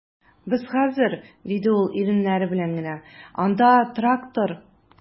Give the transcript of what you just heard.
Без хәзер, - диде ул иреннәре белән генә, - анда трактор...